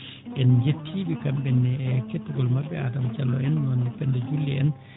en njettii ɓe kamɓe ne e kettagol maɓɓe Adama Diallo en Mamadou Penda Diouli en